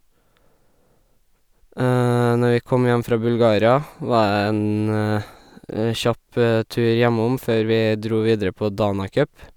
Når vi kom hjem fra Bulgaria, var jeg en kjapp tur hjemom før vi dro videre på Dana Cup.